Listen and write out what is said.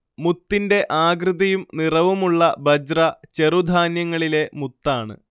മുത്തിന്റെ ആകൃതിയും നിറവുമുള്ള ബജ്റ ചെറുധാന്യങ്ങളിലെ മുത്താണ്